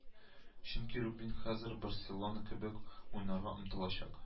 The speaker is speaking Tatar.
Чөнки Рубин хәзер Барселона кебек уйнарга омтылачак